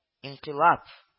Инкыйлап…